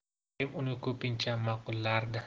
oyim uni ko'pincha ma'qullardi